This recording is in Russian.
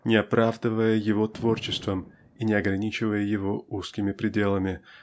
не оправдывая его творчеством и не ограничивая его узкими пределами